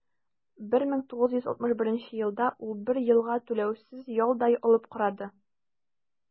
1961 елда ул бер елга түләүсез ял да алып карады.